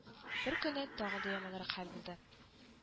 Бер көнне тагын да яманрак хәл булды